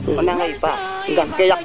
so ndiki nuun na ngoxan fo xa ɓay nuun wala